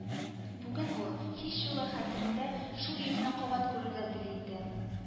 Бүген ул һичьюгы хәтерендә шул йөзне кабат күрергә тели иде